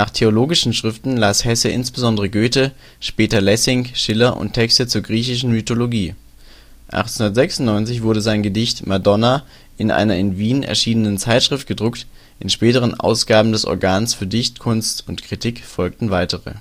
theologischen Schriften las Hesse insbesondere Goethe, später Lessing, Schiller und Texte zur griechischen Mythologie. 1896 wurde sein Gedicht " Madonna " in einer in Wien erschienenen Zeitschrift gedruckt, in späteren Ausgaben des " Organs für Dichtkunst und Kritik " folgten weitere